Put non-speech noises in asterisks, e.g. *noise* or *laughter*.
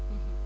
*hesitation* *hesitation*